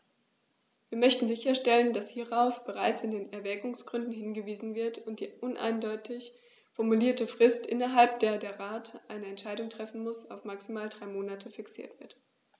Wir möchten sicherstellen, dass hierauf bereits in den Erwägungsgründen hingewiesen wird und die uneindeutig formulierte Frist, innerhalb der der Rat eine Entscheidung treffen muss, auf maximal drei Monate fixiert wird.